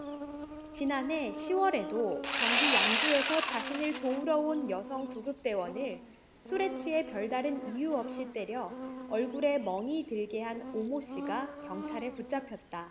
지난해 시 월에도 경기 양주에서 자신을 도우러 온 여성 구급대원을 술에 취해 별다른 이유 없이 때려 얼굴에 멍이 들게 한 오모씨가 경찰에 붙잡혔다